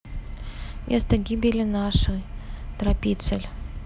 место гибели наши тропицель